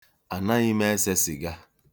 Anaghị m ese sịga.